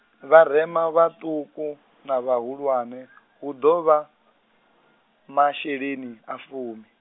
vharema vhaṱuku, na vhahulwane, hu ḓo vha, masheleni a fumi.